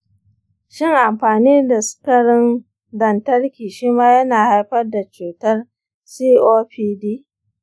shin amfani da sigarin lantarki shima yana haifar da cutar copd?